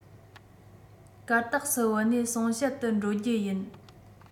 གར སྟེགས སུ བུད ནས གསུང བཤད དུ འགྲོ རྒྱུ ཡིན